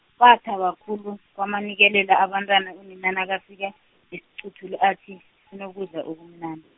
bathaba khulu kwamanikelela abantwana unina nakafika, nesiquthulu athi, sinokudla okumnan-.